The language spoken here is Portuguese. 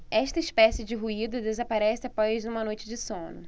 esta espécie de ruído desaparece após uma noite de sono